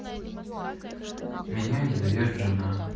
меня не дает жена